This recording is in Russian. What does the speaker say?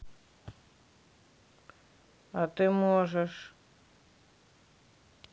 а ты можешь